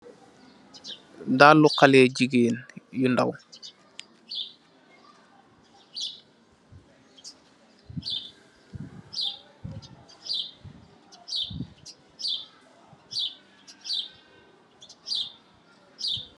Daalu haleh jigeen yu ndaw.